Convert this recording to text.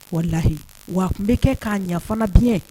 O lahi wa tun bɛ kɛ k'a yafa fana dun